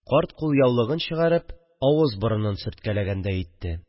– карт кулъяулыгын чыгарып авыз-борынын сөрткәләгәндәй итте